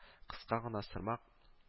Кыска гына сырма